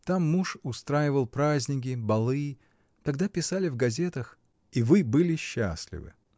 там муж устраивал праздники, балы: тогда писали в газетах. — И вы были счастливы?